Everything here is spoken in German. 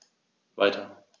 Weiter.